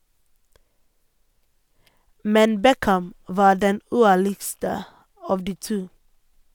Men Beckham var den uærligste av de to.